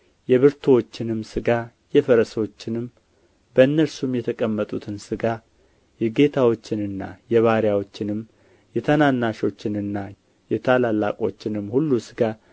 የብርቱዎችንም ሥጋ የፈረሶችንም በእነርሱም የተቀመጡትን ሥጋ የጌታዎችንና የባሪያዎችንም የታናናሾችንና የታላላቆችንም ሁሉ ሥጋ